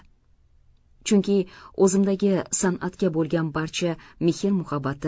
chunki o'zimdagi san'atga bo'lgan barcha mehr muhabbatim